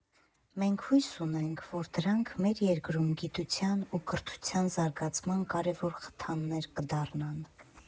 Մենք հույս ունենք, որ դրանք մեր երկրում գիտության ու կրթության զարգացման կարևոր խթաններ կդառնան։